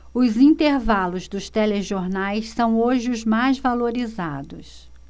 os intervalos dos telejornais são hoje os mais valorizados